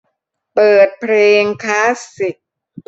เปิดเพลงคลาสสิก